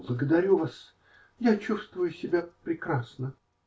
-- Благодарю вас, я чувствую себя прекрасно.